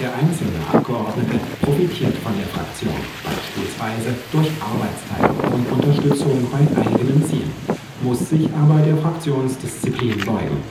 einzelne Abgeordnete profitiert von der Fraktion, beispielsweise durch Arbeitsteilung und Unterstützung bei eigenen Zielen, muss sich aber der Fraktionsdisziplin beugen